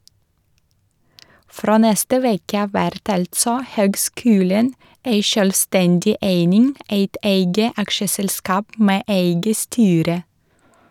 Frå neste veke av vert altså høgskulen ei sjølvstendig eining, eit eige aksjeselskap med eige styre.